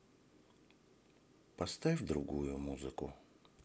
поставь другую музыку